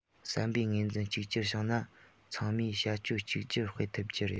བསམ པའི ངོས འཛིན གཅིག གྱུར བྱུང ན ཚང མས བྱ སྤྱོད གཅིག གྱུར སྤེལ ཐུབ ཀྱི རེད